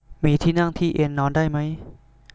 มีที่นั่งที่เอนนอนได้มั้ย